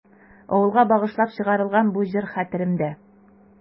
Авылга багышлап чыгарылган бу җыр хәтеремдә.